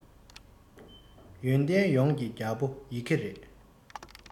ཡོན ཏན ཡོངས ཀྱི རྒྱལ པོ ཡི གེ རེད